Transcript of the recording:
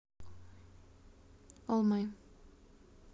all my